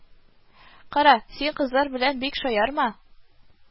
Кара, син кызлар белән бик шаярма